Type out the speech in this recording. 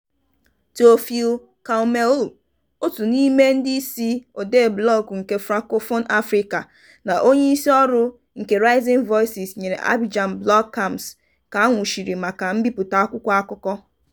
Théophile Kouamouo, otu n'ime ndị isi odee blọọgụ nke Francophone Africa, na onyeisi ọrụ nke Rising Voices nyere Abidjan Blog Camps ka a nwụchiri maka mbipụta akwụkwọ akụkọ.